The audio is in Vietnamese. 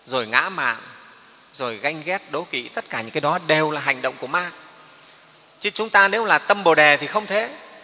rồi ngã mạn rồi ganh ghét đố kỵ tất cả những cái đó đều là hành động của ma chứ chúng ta nếu là tâm bồ đề thì không thế